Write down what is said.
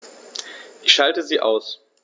Ich schalte sie aus.